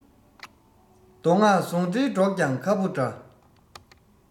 མདོ སྔགས ཟུང འབྲེལ སྒྲོག ཀྱང ཁ ཕོ འདྲ